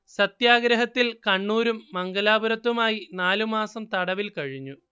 സത്യാഗ്രഹത്തിൽ കണ്ണൂരും മംഗലാപുരത്തുമായി നാലു മാസം തടവിൽ കഴിഞ്ഞു